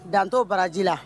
Danto baraji la